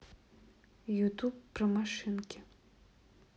ютуб про машинки